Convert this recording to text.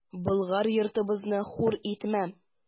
Болгар йортыбызны хур итмә!